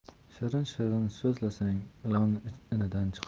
shirin shirin so'zlasang ilon inidan chiqar